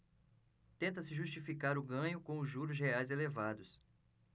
tenta-se justificar o ganho com os juros reais elevados